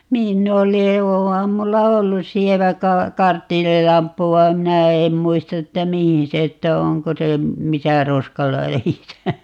niin ne oli vaan onhan minulla ollut sievä - karbidilamppu vaan minä en muista että mihin se että onko se missä roskaläjissä